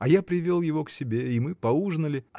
— А я привел его к себе — и мы поужинали.